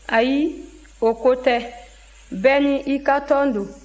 ayi o ko tɛ bɛɛ ni i ka tɔn don